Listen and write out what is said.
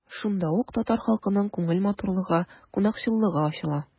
Шунда ук татар халкының күңел матурлыгы, кунакчыллыгы ачыла.